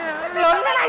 lớn